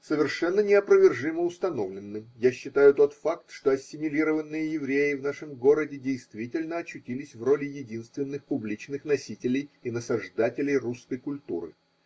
Совершенно неопровержимо установленным я считаю тот факт, что ассимилированные евреи в нашем городе действительно очутились в роли единственных публичных носителей и насаждателей русской культуры.